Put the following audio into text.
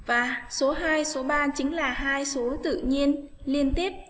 số số chính là hai số tự nhiên liên tiếp